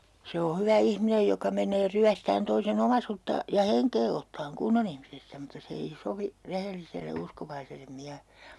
se ole hyvä ihminen joka menee ryöstämään toisen omaisuutta ja henkeä ottamaan kunnon ihmisestä mutta se ei sovi rehelliselle uskovaiselle miehelle